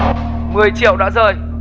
mười triệu đã rơi